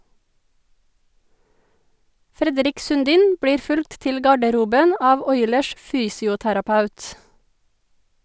Fredrik Sundin blir fulgt til garderoben av Oilers' fysioterapeut.